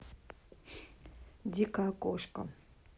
дикая кошка